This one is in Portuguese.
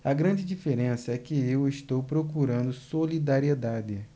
a grande diferença é que eu estou procurando solidariedade